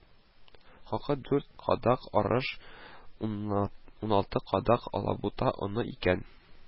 Хакы дүрт кадак арыш, уналты кадак алабута оны икән